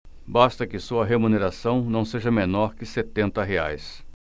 basta que sua remuneração não seja menor que setenta reais